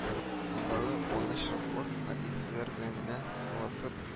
Андагы куаныч-шатлык гади сүзләр белән генә аңлатып